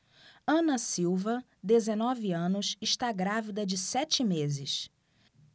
ana silva dezenove anos está grávida de sete meses